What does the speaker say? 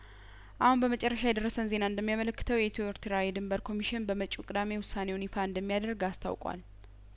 አሁን በመጨረሻ የደረሰን ዜና እንደሚያመለክተው የኢትዮ ኤርትራ የድንበር ኮሚሽን በመጭው ቅዳሜ ውሳኔውን ይፋ እንደሚያደርግ አስታውቋል